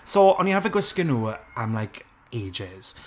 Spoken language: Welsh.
so, o'n i arfer gwisgo nhw, am like, ages.